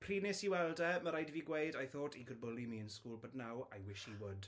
Pryd wnes i weld e, mae'n rhaid i fi gweud; "I thought he could bully me in school, but now I wish he would."